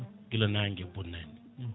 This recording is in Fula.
guila bonnani